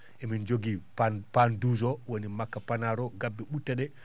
emin jogii pan 12 o woni makka pannar o gabbe ɓutte ɗe